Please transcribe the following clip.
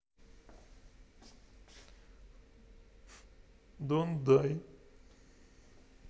don't die